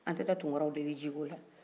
anw tɛ taa tunkaraw deli jiko la